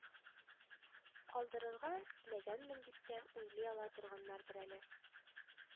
Калдырырга теләгәнмен дип тә уйлый ала торганнардыр әле